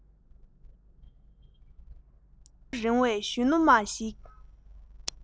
སྐྲ ལོ རིང བའི གཞོན ནུ མ ཞིག